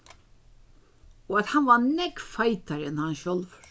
og at hann var nógv feitari enn hann sjálvur